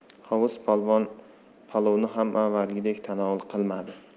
hovuz polvon palovni ham avvalgidek tanovul qilmadi